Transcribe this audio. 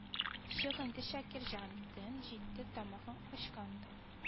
Чык инде шакирҗан төн җитте тамагың ачкандыр